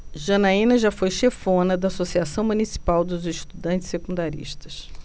janaina foi chefona da ames associação municipal dos estudantes secundaristas